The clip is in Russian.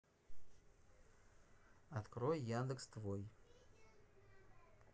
открой яндекс твой